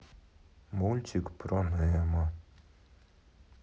мультик про немо